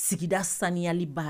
Sigida saniyali baara